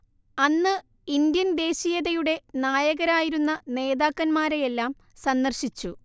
അന്ന് ഇൻഡ്യൻ ദേശീയതയുടെ നായകരായിരുന്ന നേതാക്കന്മാരെയെല്ലാം സന്ദർശിച്ചു